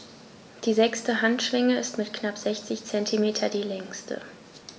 Die sechste Handschwinge ist mit knapp 60 cm die längste.